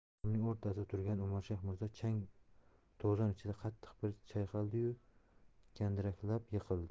tomning o'rtasida turgan umarshayx mirzo chang to'zon ichida qattiq bir chayqaldi yu gandiraklab yiqildi